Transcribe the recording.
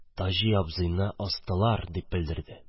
– таҗи абзыйны астылар! – дип белдерде.